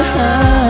ha